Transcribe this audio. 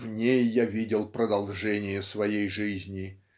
"В ней я видел продолжение своей жизни